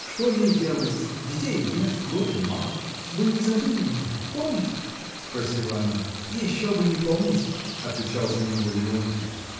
— Что ей делается: детей нет, горя мало. — Вы не забыли меня: помните? — спросила она. — Еще бы не помнить! — отвечал за него Леонтий.